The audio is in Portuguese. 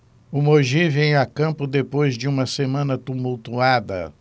o mogi vem a campo depois de uma semana tumultuada